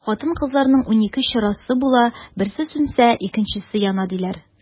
Хатын-кызларның унике чырасы була, берсе сүнсә, икенчесе яна, диләр.